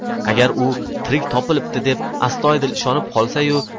agar u tirik topilibdi deb astoydil ishonib qolsa yu